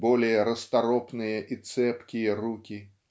более расторопные и цепкие руки.